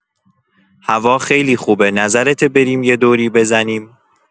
هوا خیلی خوبه، نظرته بریم یه دوری بزنیم؟